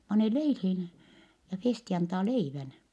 pane leiliin ja Festi antaa leivän